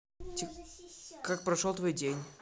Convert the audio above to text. как прошел твой день